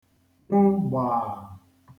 -nwu gbàà